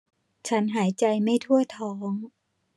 ฉันหายใจไม่ทั่วท้อง